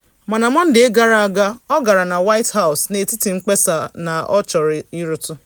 Mana Mọnde gara aga ọ gara na White House, n’etiti mkpesa na ọ chọrọ irutu.